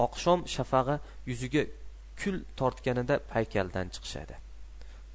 oqshom shafag'i yuziga kul tortganida paykaldan chiqishadi